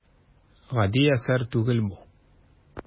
Гади әсәр түгел бу.